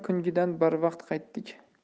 har kungidan barvaqt qaytdik